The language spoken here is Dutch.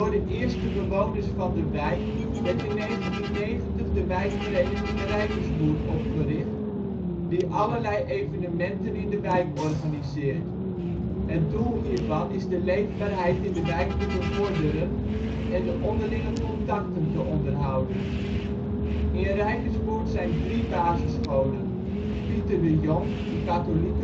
de eerste bewoners van de wijk werd in 1990 de wijkvereniging Rijkerswoerd opgericht, die allerlei evenementen in de wijk organiseert. Het doel hiervan is de leefbaarheid in wijk te bevorderen en de onderlinge contacten te onderhouden. In Rijkerswoerd zijn 3 basisscholen: Pieter de Jong (katholiek